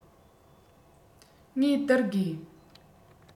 ངེས སྡུར དགོས